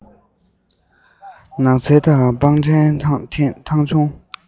ནགས ཚལ དང སྤང ཐང ཆུ ཕྲན